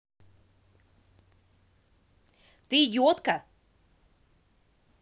ты идиотка